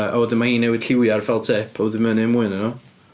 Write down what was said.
A wedyn mae hi'n newid lliwiau'r felt tip, a wedyn mae o'n wneud mwy ohonyn nhw.